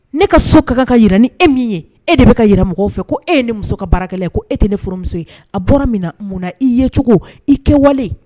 Ne ka so ka kan ka yira ni e min ye e de be ka yira mɔgɔw fɛ ko e ye ne muso ka baarakɛla ye ko e te ne furumuso ye a bɔra min na mun na i yecogo i kɛwale